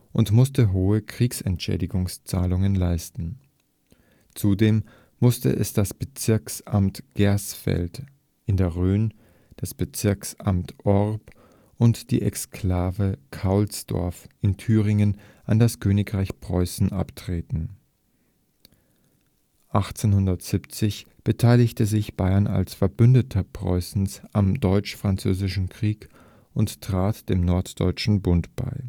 und musste hohe Kriegsentschädigungszahlungen leisten. Zudem musste es das Bezirksamt Gersfeld in der Rhön, das Bezirksamt Orb und die Exklave Kaulsdorf in Thüringen an das Königreich Preußen abtreten. 1870 beteiligte sich Bayern als Verbündeter Preußens am Deutsch-Französischen Krieg und trat dem Norddeutschen Bund bei